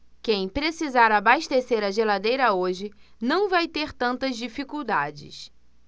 quem precisar abastecer a geladeira hoje não vai ter tantas dificuldades